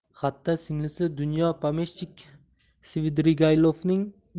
xatda singlisi dunya pomeshchik svidrigaylovning